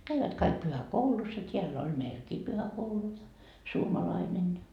kävivät kaikki pyhäkoulussa ja täällä on näilläkin pyhäkoulu suomalainen